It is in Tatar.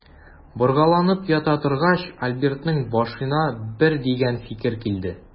Боргаланып ята торгач, Альбертның башына бер дигән фикер килде.